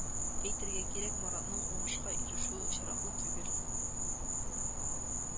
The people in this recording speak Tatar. Әйтергә кирәк, Маратның уңышка ирешүе очраклы түгел